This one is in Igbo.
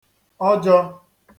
ọjọ̄